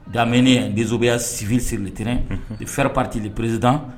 Daen nzsoya siv sirilitɛnɛn fɛrɛɛrɛ paritili peresid